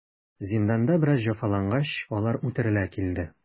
Зинданда бераз җәфалангач, алар үтерелә килде.